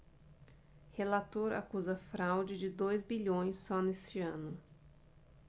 relator acusa fraude de dois bilhões só neste ano